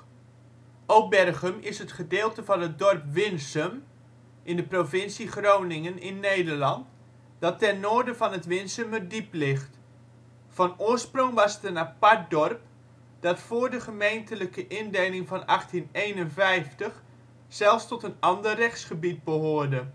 OL Voorzijde 13e eeuwse kerk van Obergum (St. Nicolaaskapel). De 14e eeuwse toren (verbouwd in 1706 en 1790, had eerder koepelgewelf) stond oorspronkelijk los. In de 15e eeuw werd de kerk verlengd naar het oosten. Obergum is het gedeelte van het dorp Winsum (provincie Groningen, Nederland) dat ten noorden van het Winsumerdiep ligt. Van oorsprong was het een apart dorp, dat voor de gemeentelijke indeling van 1851 zelfs tot een ander rechtsgebied behoorde.